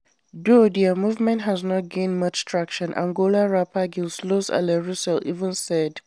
Though their movement has not gained much traction, Angolan rapper Gil Slows Allen Russel even said: